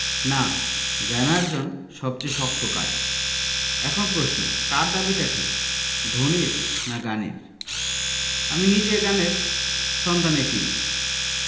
না জ্ঞানার্জন সবচেয়ে শক্ত কাজ এখন প্রশ্ন কার দাবিটা ঠিক ধনীর না জ্ঞানীর আমি নিজে জ্ঞানের সন্ধানে ফিরি